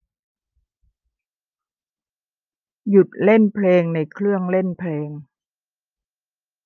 หยุดเล่นเพลงในเครื่องเล่นเพลง